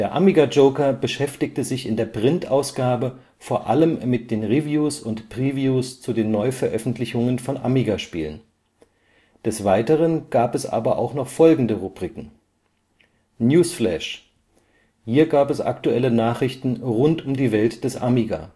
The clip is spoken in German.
Amiga Joker beschäftigte sich in der Printausgabe vor allem mit den Reviews und Previews zu den Neuveröffentlichungen von Amiga-Spielen. Des Weiteren gab es aber auch noch folgende Rubriken: Newsflash: Hier gab es aktuelle Nachrichten rund um die Welt des Amiga